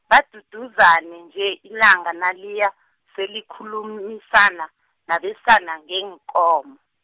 baduduzana nje, ilanga naliya, selikhulumisana, nabesana ngeenkomo.